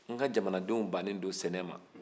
n ka jamana denw banen don sɛnɛ ma